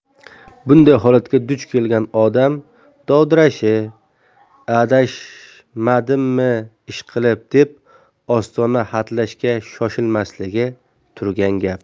bunday holatga duch kelgan odam dovdirashi adashmadimmi ishqilib deb ostona hatlashga shoshilmasligi turgan gap